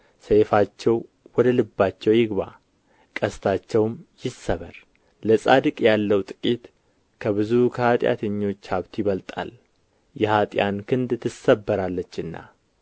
ሰይፋቸው ወደ ልባቸው ይግባ ቀስታቸውም ይሰበር ለጻድቅ ያለው ጥቂት ከብዙ ከኃጢአተኞች ሀብት ይበልጣል የኃጥአን ክንድ ትሰበራለችና